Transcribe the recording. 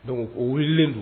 Don u wele